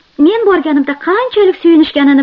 men borganimda qanchalik suyunishganini